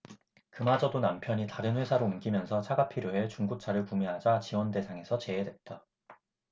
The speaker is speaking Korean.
그마저도 남편이 다른 회사로 옮기면서 차가 필요해 중고차를 구매하자 지원대상에서 제외됐다